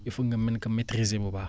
il foog nga mën ko maitriser bu baax